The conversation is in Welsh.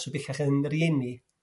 sy bellach yn rieni.